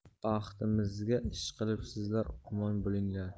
baxtimizga ishqilib sizlar omon bo'linglar